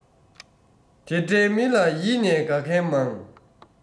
དེ འདྲའི མི ལ ཡིད ནས དགའ མཁན མང